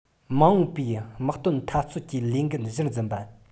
མ འོངས པའི དམག དོན འཐབ རྩོད ཀྱི ལས འགན གཞིར འཛིན པ